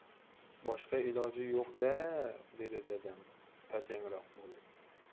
boshqa iloji yo'q da dedi dadam tajangroq bo'lib